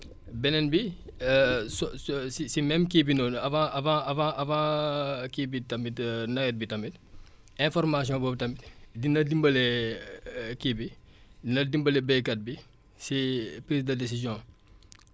beneen bi su su si si même kii bi noonu avant vant vant avant kii bi tamit nawet bi tamit information boobu tam dina dimbale kii bi na dimbale béykat bi si prise de décision